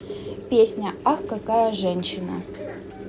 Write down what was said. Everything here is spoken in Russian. песня ах какая женщина